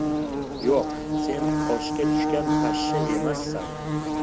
yo'q sen oshga tushgan pashsha emassan